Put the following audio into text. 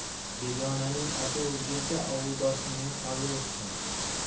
begonaning oti o'zguncha ovuldoshingning toyi o'zsin